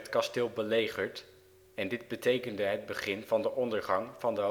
kasteel belegerd en dit betekende het begin van de ondergang van de